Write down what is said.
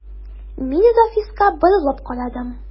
Мин Рафиска борылып карадым.